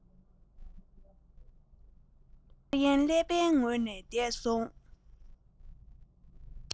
འཆར ཡན ཀླད པའི ངོས ནས འདས སོང